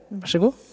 vær så god!